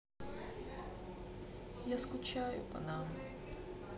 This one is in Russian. я скучаю по нам